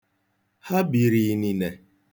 Ha biri inine.